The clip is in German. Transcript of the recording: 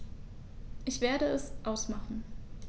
Ich werde es ausmachen